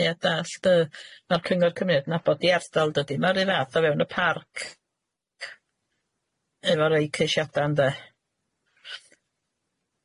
Ia dallt yy ma'r Cyngor Cymru yn nabod i ardal dydi? Ma' ry fath o fewn y parc efo rei ceisiada ynde?